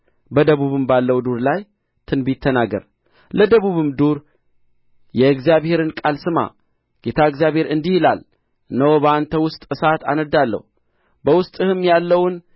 በደቡብም ባለው ዱር ላይ ትንቢት ተናገር ለደቡብም ዱር የእግዚአብሔርን ቃል ስማ ጌታ እግዚአብሔር እንዲህ ይላል እነሆ በአንተ ውስጥ እሳት አነድዳለሁ በውስጥህም ያለውን